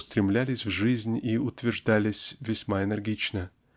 устремлялись в жизнь и утверждались весьма энергично